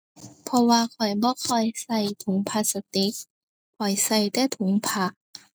เพราะว่าข้อยบ่ค่อยใช้ถุงพลาสติก ข้อยใช้แต่ถุงผ้า